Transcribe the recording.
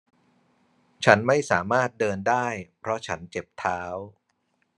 ฉันไม่สามารถเดินได้เพราะฉันเจ็บเท้า